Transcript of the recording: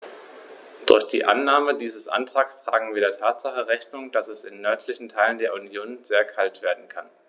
Durch die Annahme dieses Antrags tragen wir der Tatsache Rechnung, dass es in den nördlichen Teilen der Union sehr kalt werden kann.